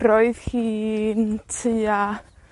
Roedd hi'n tua